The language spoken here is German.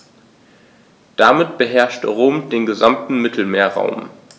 Damit beherrschte Rom den gesamten Mittelmeerraum.